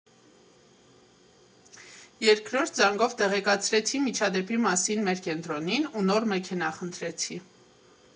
Երկրորդ զանգով տեղեկացրեցի միջադեպի մասին մեր կենտրոնին ու նոր մեքենա խնդրեցի։